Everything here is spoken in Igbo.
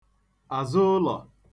àzụụlọ̀